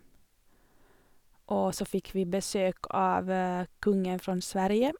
Og så fikk vi besøk av kongen fra Sverige.